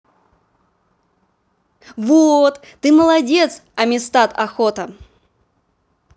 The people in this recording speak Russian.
вот ты молодец амистад охота